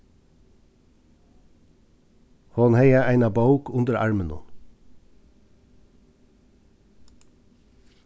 hon hevði eina bók undir arminum